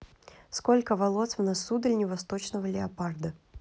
сколько волос в носу дальневосточного леопарда